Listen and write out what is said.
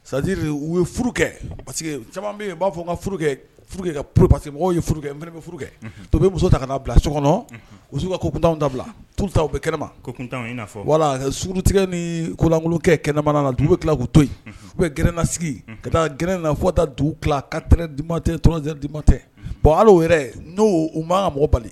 Sajiri u ye furu kɛ parce que caman b'a fɔ n ka parce que mɔgɔw ye bɛ furu tu bɛ muso ta ka'a bila so kɔnɔ u katanw dabila u bɛ kɛnɛmatan wala suru tigɛ ni kulankulu kɛ kɛnɛma na dugu bɛ tilaku to yen u bɛ gna sigi ka taa g na fo dugu ka t dima tɛ t tɔnɛ dima tɛ bɔn ala yɛrɛ n'o u ma ka mɔ bali